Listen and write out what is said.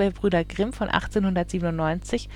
Brüder Grimm von 1897